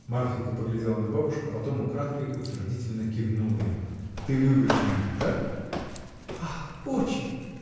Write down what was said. Марфинька поглядела на бабушку, потом украдкой утвердительно кивнула ему. — Ты любишь меня? да? — Ах, очень!